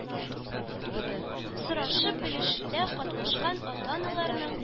Сорашып-белешүдә катнашкан ата-аналарның